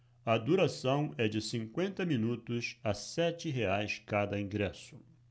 a duração é de cinquenta minutos a sete reais cada ingresso